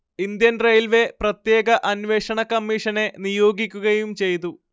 Indian railway പ്രത്യേക അന്വേഷണ കമ്മിഷനെ നിയോഗിക്കുകയും ചെയ്തു